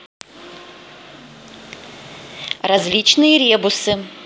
различные ребусы